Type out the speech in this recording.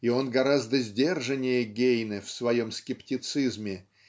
и он гораздо сдержаннее Гейне в своем скептицизме